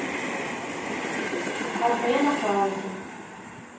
отмена паузы